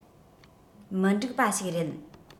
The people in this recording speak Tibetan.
མི འགྲིག པ ཞིག རེད